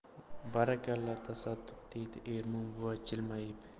barakalla tasadduq deydi ermon buva jilmayib